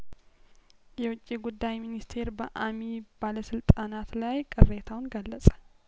የውጭ ጉዳይ ሚኒስቴር በአሚ ባለስልጣናት ላይ ቅሬታውን ገለጸ